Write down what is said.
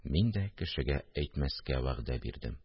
Мин дә кешегә әйтмәскә вәгъдә бирдем